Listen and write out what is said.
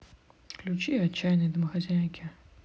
включи отчаянные домохозяйки